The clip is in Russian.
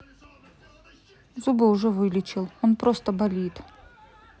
зубы уже вылечили он просто болит